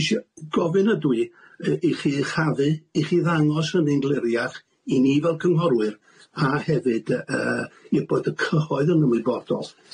Isio gofyn ydw i yy i chi uchafu- i chi ddangos hynny'n gliriach i ni fel cynghorwyr, a hefyd y- yy i'r bod y cyhoedd yn ymwybodol.